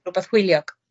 rwbath hwyliog.